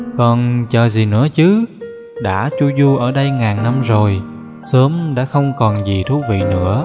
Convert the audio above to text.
con chờ gì nữa chứ đã chu du ở đây ngàn năm rồi sớm đã không còn gì thú vị nữa